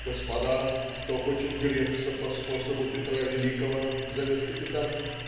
"Господа, кто хочет греться по способу Петра Великого!" - зовет капитан.